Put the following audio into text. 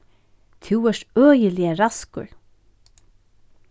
tú ert øgiliga raskur